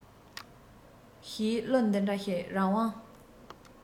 ཞེས གླུ འདི འདྲ ཞིག རང དབང